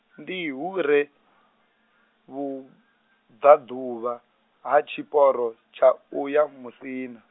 ndi hu re , vhubvaḓuvha, ha tshiporo tsha u ya Musina.